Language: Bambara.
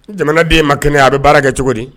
Jamana den ma kɛnɛ a bɛ baara kɛ cogo di